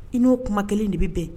I n'o kuma kelen in de bɛ bɛn.